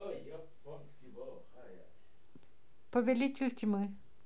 повелитель тьмы